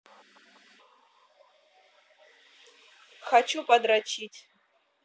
хочу подрочить